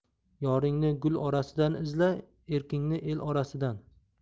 yoringni gul orasidan izla erkingni el orasidan